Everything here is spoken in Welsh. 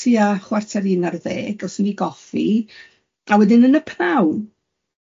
tua chwarter i un ar ddeg, gethon ni goffi, a wedyn yn y pnawn.